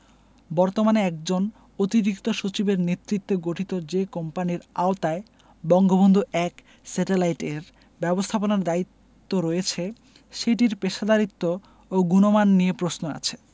বর্তমানে একজন অতিরিক্ত সচিবের নেতৃত্বে গঠিত যে কোম্পানির আওতায় বঙ্গবন্ধু ১ স্যাটেলাইট এর ব্যবস্থাপনার দায়িত্ব রয়েছে সেটির পেশাদারিত্ব ও গুণমান নিয়ে প্রশ্ন আছে